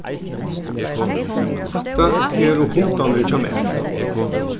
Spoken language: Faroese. hatta eru hundarnir hjá mær